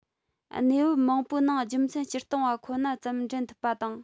གནས བབ མང པོའི ནང རྒྱུ མཚན སྤྱིར བཏང པ ཁོ ན ཙམ འདྲེན ཐུབ པ དང